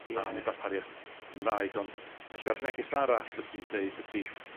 am ddarpariaeth Gymraeg, ond ella'r neges arall fyswn i'n deud ydi